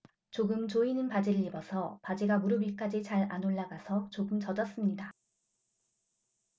조금 조이는 바지를 입어서 바지가 무릎 위까지 잘 안 올라가서 조금 젖었습니다